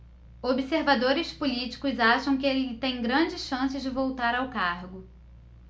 observadores políticos acham que ele tem grandes chances de voltar ao cargo